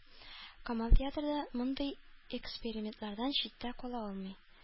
Камал театры да мондый экспериментлардан читтә кала алмый.